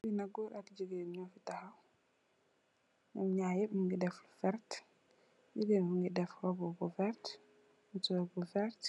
Fi nak gòor ak jigeen nyo fi tahaw, num naar yëp nungi def lu vert. Jigéen bi mungi def robbu bu vert, mursor bu vert